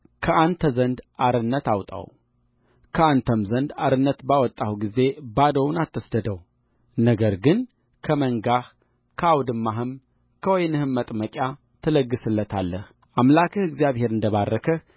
ከአንተም ዘንድ አርነት ባወጣኸው ጊዜ ባዶውን አትስደደው ነገር ግን ከመንጋህ ከአውድማህም ከወይንህም መጥመቂያ ትለግስለታለህ አምላክህ እግዚአብሔር እንደ ባረከህ